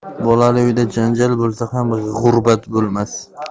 bolali uyda janjal bo'lsa ham g'urbat bo'lmas